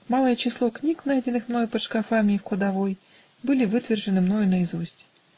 Малое число книг, найденных мною под шкафами и в кладовой, были вытвержены мною наизусть.